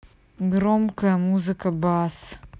громкая музыка бас